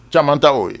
Caman ta oo ye